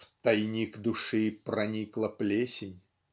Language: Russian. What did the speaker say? "В тайник души проникла плесень".